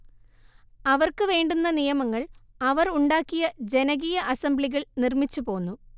അവർക്ക് വേണ്ടുന്ന നിയമങ്ങൾ അവർ ഉണ്ടാക്കിയ ജനകീയ അസംബ്ലികൾ നിർമ്മിച്ചു പോന്നു